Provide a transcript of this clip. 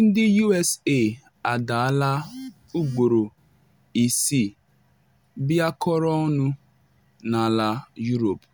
Ndị US adaala ugboro isiii bịakọrọ ọnụ n’ala Europe,